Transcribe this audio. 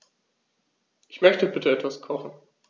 Ich möchte bitte etwas kochen.